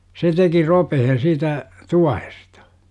se teki ropeen siitä tuohesta